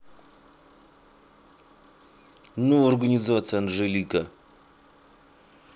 no организация анжелика